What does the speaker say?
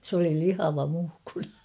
se oli lihava muhkura